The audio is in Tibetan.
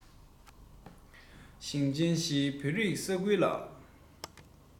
ཞིང ཆེན བཞིའི བོད རིགས ས ཁུལ ལ